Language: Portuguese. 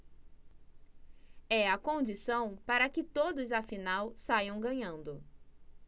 é a condição para que todos afinal saiam ganhando